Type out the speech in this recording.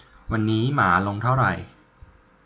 วันนี้หมาลงเท่าไหร่